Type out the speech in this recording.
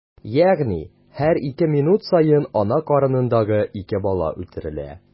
Ягъни һәр ике минут саен ана карынындагы ике бала үтерелә.